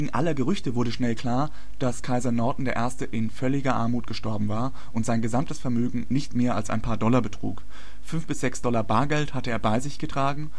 aller Gerüchte wurde schnell klar, dass Kaiser Norton I. in völliger Armut gestorben war und sein gesamtes Vermögen nicht mehr als ein paar Dollar betrug. Fünf bis sechs Dollar Bargeld hatte er bei sich getragen